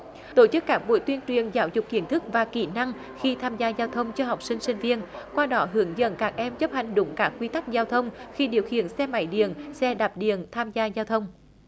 tổ chức các buổi tuyên truyền giáo dục kiến thức và kỹ năng khi tham gia giao thông cho học sinh sinh viên qua đó hướng dẫn các em chấp hành đúng các quy tắc giao thông khi điều khiển xe máy điện xe đạp điện tham gia giao thông